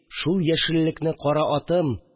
Шул яшеллекне кара атым